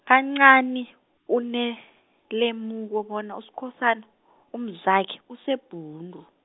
kancani, unelemuko bona, Uskhosana, umzakhe, useBhundu.